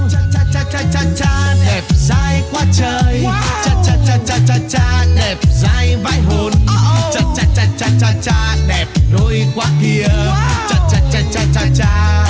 cha cha cha cha cha cha đẹp dai quá trời cha cha cha cha cha cha đẹp dai vãi hồn cha cha cha cha cha cha đẹp đôi quá kìa cha cha cha cha cha cha